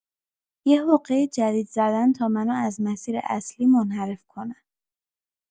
یه حقه جدید زدن تا منو از مسیر اصلی منحرف کنن.